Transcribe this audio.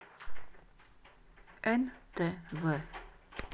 эн тэ вэ